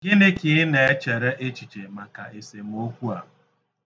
Gịnị ka i na-echere echiche maka esemokwu a?